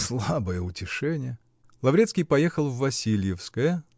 Слабое утешение!" Лаврецкий поехал в Васильевское